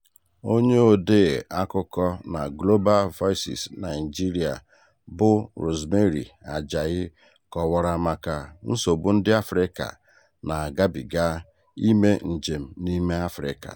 Onye odee akụkọ na Global Voices Naịjirịa bụ Rosemary Ajayi kọwara maka "nsogbu ndị Afrịka na-agabịga ime njem n'ime Afrịka".